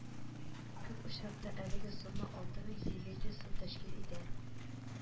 Күп очракта әлеге сумма алты мең сигез йөз сум тәшкил итә